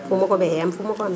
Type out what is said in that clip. fu ma ko bayee am fu ma ko amee